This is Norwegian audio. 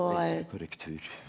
leser korrektur.